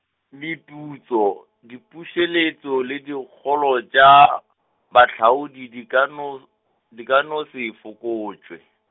meputso, dipuseletšo le dikholo tša, baahlodi di ka no, di ka no se fokotšwe.